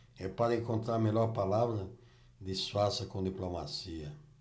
é para encontrar a melhor palavra disfarça com diplomacia